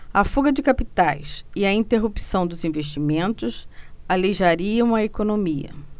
a fuga de capitais e a interrupção dos investimentos aleijariam a economia